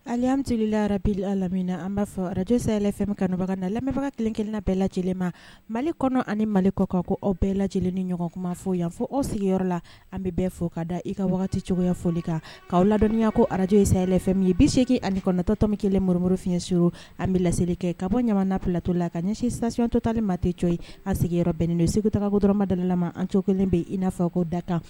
Hali an sigilenlara bila lammina na an b'a fɔ arajyɛlɛfɛ kanubaga na lamɛnbaga kelen-kelenna bɛɛ la lajɛlen ma mali kɔnɔ ani mali kɔ ka ko aw bɛɛ lajɛlen ni ɲɔgɔnkuma fɔ yan fɔ o sigiyɔrɔ la an bɛ bɛɛ fɔ ka da i ka wagati cogoyaya foli kan k'aw ladɔniyaa ko arajo ye sayayfɛ min ye bi see ali kɔnɔnatɔtɔmi kelen morimurufiyyɛn sur an bɛ laselili kɛ ka bɔ jamanamana platɔ la ka ɲɛsinsisiyatɔtali maa tɛ co ye an sigi bɛnnen don segutako dɔrɔnuramadala an cogo kelen bɛ i n'a ko da kan